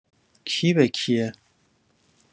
کی به کیه